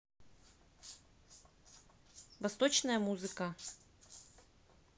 восточная музыка